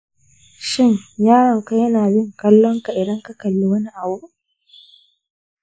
shin yaronka yana bin kallon ka idan ka kalli wani abu?